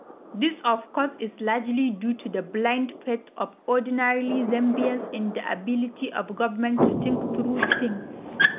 This of course is largely due to the “blind faith” of ordinary Zambians in the ability of government to think through things.